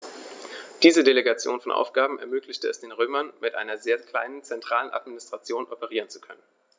Diese Delegation von Aufgaben ermöglichte es den Römern, mit einer sehr kleinen zentralen Administration operieren zu können.